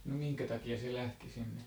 no minkä takia se lähti sinne